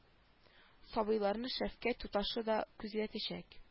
Сабыйларны шәфкать туташы да күзәтәчәк